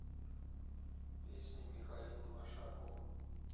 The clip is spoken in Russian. песни михаила башакова